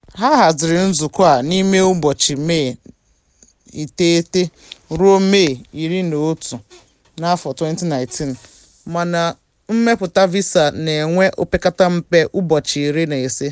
A hazịrị nzukọ a ime n'ụbọchị Mee 9 ruo Mee 11, 2019, mana mmepụta visa na-ewe opekata mpe ụbọchị 15.